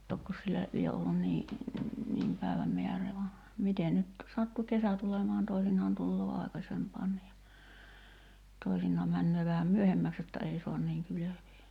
tokkos sillä lie ollut niin niin päivän määrää vaan miten nyt sattui kesä tulemaan toisinaan tulee aikaisempaankin ja toisinaan menee vähän myöhemmäksi jotta ei saa niin kylvää